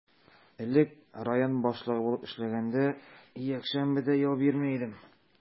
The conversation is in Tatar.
Элек район башлыгы булып эшләгәндә, якшәмбе дә ял бирми идем.